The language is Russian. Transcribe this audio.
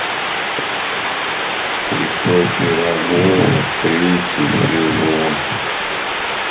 ип пирогова третий сезон